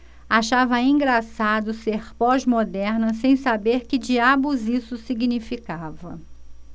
achava engraçado ser pós-moderna sem saber que diabos isso significava